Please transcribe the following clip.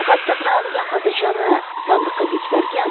xat saqlanadigan xaltachani sandiqqa bekitarkan